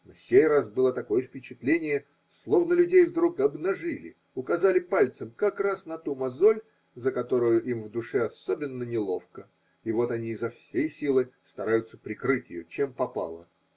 На сей раз было такое впечатление, словно людей вдруг обнажили, указали пальцем как раз на ту мозоль, за которую им в душе особенно неловко, и вот они изо всей силы стараются прикрыть ее чем попало.